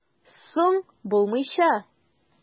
Соң, булмыйча!